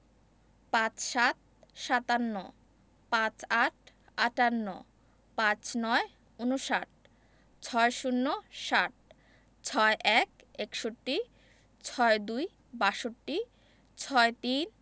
৫৭ – সাতান্ন ৫৮ – আটান্ন ৫৯ - ঊনষাট ৬০ - ষাট ৬১ – একষট্টি ৬২ – বাষট্টি ৬৩